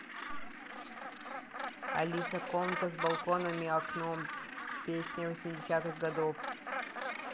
алиса комната с балконами окном песня восьмидесятых годов